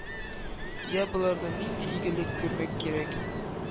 Йә, болардан нинди игелек күрмәк кирәк?!